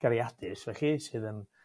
gariadus felly sydd yn